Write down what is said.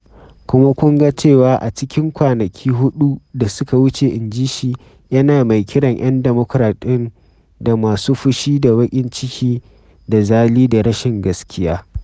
“Kuma kun ga cewa a cikin kwanaki huɗu da suka wuce,” inji shi, yana mai kiran ‘yan Democrat ɗin da “masu fushi da baƙin ciki da zali da rashin gaskiya.”